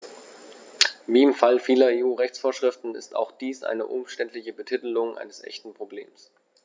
Wie im Fall vieler EU-Rechtsvorschriften ist auch dies eine umständliche Betitelung eines echten Problems.